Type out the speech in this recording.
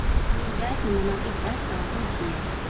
Մինչ այս նմանատիպ վայր քաղաքում չի եղել։